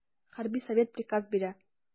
Хәрби совет приказ бирә.